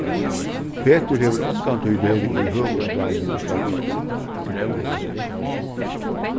petur hevur ongantíð verið í høvuðsstaðnum í fraklandi